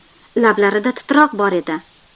lablarida titroq bor edi